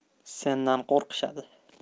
sendan qo'rqishadi